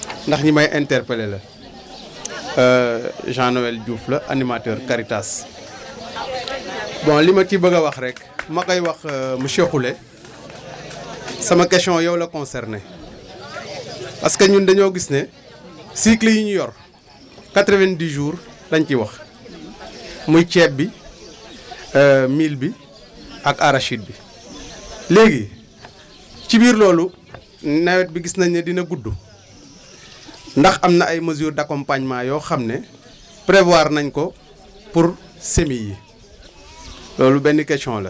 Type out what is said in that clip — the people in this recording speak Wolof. ndax ñi may interpellé la Jean Noël Diouf la animateur Caritas bon li ma ci bëgg a wax rek ma koy wax monsieur Khoule sama question yow la concerné parce que ñun dañoo gis ne cycle yi ñu yor 90 jours lañ ci wax muy ceeb bi mil bi ak arachide bi léegi ci biir loolu nawet bi gis nañ ne dina gudd ndax am na ay mesures d' accompagnement yoo xam ne prévoir nañ ko pour semis yi loolu benn question la